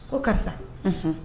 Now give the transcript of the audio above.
Ko karisahun